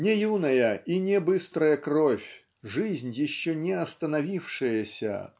Не юная и не быстрая кровь жизнь еще не остановившаяся